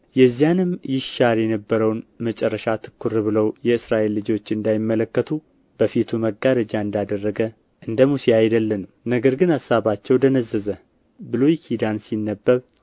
የዚያንም ይሻር የነበረውን መጨረሻ ትኵር ብለው የእስራኤል ልጆች እንዳይመለከቱ በፊቱ መጋረጃ እንዳደረገ እንደ ሙሴ አይደለንም ነገር ግን አሳባቸው ደነዘዘ ብሉይ ኪዳን ሲነበብ